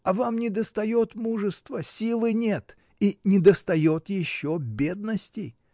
А вам недостает мужества, силы нет, и недостает еще бедности.